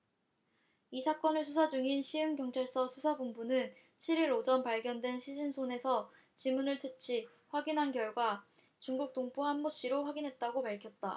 이 사건을 수사 중인 시흥경찰서 수사본부는 칠 일 오전 발견된 시신 손에서 지문을 채취 확인한 결과 중국 동포 한모씨로 확인됐다고 밝혔다